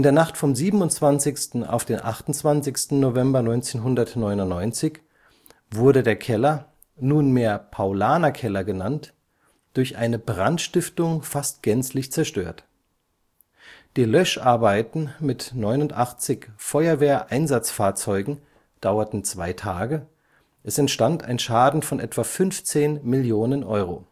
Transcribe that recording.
Nacht vom 27. auf den 28. November 1999 wurde der Keller, nunmehr Paulaner-Keller genannt, durch eine Brandstiftung fast gänzlich zerstört. Die Löscharbeiten mit 89 Feuerwehreinsatzfahrzeugen dauerten zwei Tage, es entstand ein Schaden von etwa 15 Millionen Euro